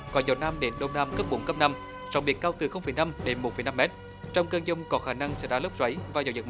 có gió nam đến đông nam cấp bốn cấp năm sóng biển cao từ không phẩy năm đến một phẩy năm mét trong cơn dông có khả năng xảy ra lốc xoáy và gió giật